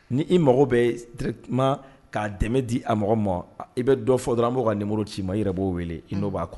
Ni i mago bɛ dki k'a dɛmɛ di a mɔgɔ ma i bɛ dɔ fɔ dɔrɔn n' ka ninmouru ci i ma i yɛrɛ b'o weele i' b'a kɔnɔ